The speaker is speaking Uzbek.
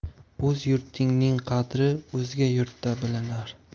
o'z yurtingning qadri o'zga yurtda bilinar